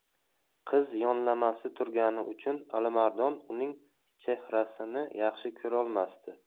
qiz yonlamasi turgani uchun alimardon uning chehrasini yaxshi ko'rolmasdi